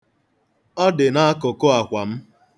Ọ dị n'akụkụ akwa m.